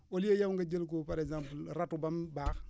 au lieu yow nga jël ko par exemple rateau ba mu baax